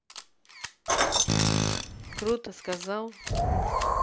круто сказал